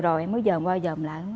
rồi em mới dờn qua dờn lại